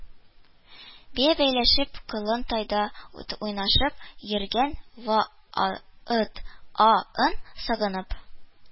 Бия бәйләшеп», «колын тайдай уйнашып» йөргән ва ыт а ын сагынып